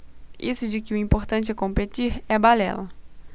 isso de que o importante é competir é balela